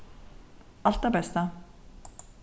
alt tað besta